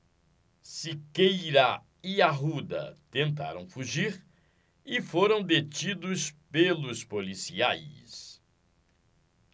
siqueira e arruda tentaram fugir e foram detidos pelos policiais